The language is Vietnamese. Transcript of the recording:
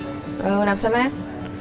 à làm sa lát